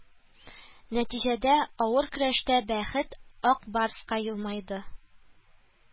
Нәтиҗәдә, авыр көрәштә бәхет Ак Барска елмайды